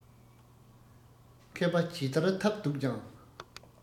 མཁས པ ཇི ལྟར ཐབས རྡུགས ཀྱང